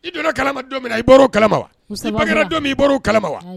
I donna kalama don min na i kalama wara don min i o kalama wa